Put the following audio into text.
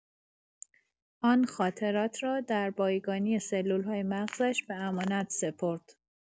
آن خاطرات را در بایگانی سلول‌های مغزش به امانت سپرد.